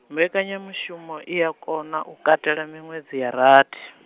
mbekanyamushumo i a kona u katela miṅwedzi ya rathi.